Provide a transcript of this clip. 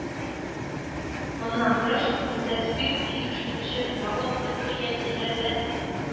Моннан тыш, бездә спирт җитештерүче барлык предприятиеләр дә